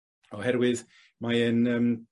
Oherwydd mae e'n yym